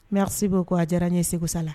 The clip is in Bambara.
Merci beaucoup a diyara n ye Sekusala